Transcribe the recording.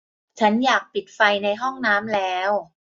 ฉันอยากปิดไฟในห้องน้ำแล้ว